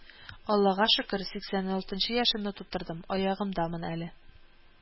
Аллага шөкер, сиксән алтынчы яшемне тутырдым, аягымдамын әле